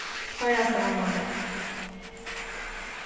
hoyrast ein annan dag